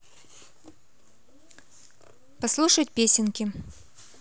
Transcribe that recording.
послушать песенки